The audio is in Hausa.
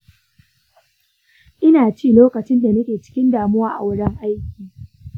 ina ci lokacin da nake cikin damuwa a wurin aiki.